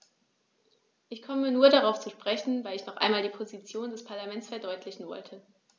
Ich komme nur darauf zu sprechen, weil ich noch einmal die Position des Parlaments verdeutlichen wollte.